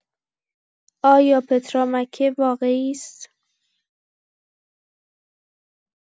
آیا پترا مکه واقعی است؟